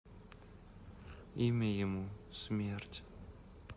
имя ему смерть